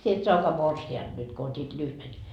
sinä et saakaan morsianta nyt kun otit lyhyen